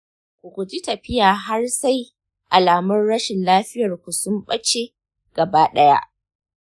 ku guji tafiya har sai alamun rashin lafiyarku sun bace gaba ɗaya.